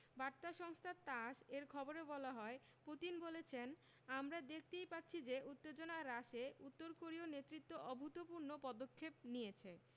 বার্তা সংস্থা তাস এর খবরে বলা হয় পুতিন বলেছেন আমরা দেখতেই পাচ্ছি যে উত্তেজনা হ্রাসে উত্তর কোরীয় নেতৃত্ব অভূতপূর্ণ পদক্ষেপ নিয়েছে